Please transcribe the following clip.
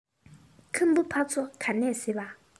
ཁམ བུ ཕ ཚོ ག ནས གཟིགས པ